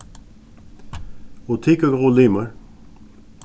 og tykur góðu limir